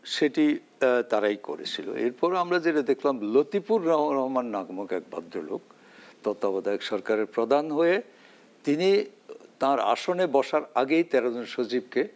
সেটি তারাই করেছিল এরপর আমরা যেটা দেখলাম লতিফুর রহমান নামক এক ভদ্রলোক তত্ত্বাবধায়ক সরকারের প্রধান হয়ে তিনি তার আসনে বসার আগেই ১৩ জন সচিবকে